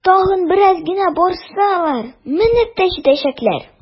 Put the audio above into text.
Тагын бераз гына барсалар, менеп тә җитәчәкләр!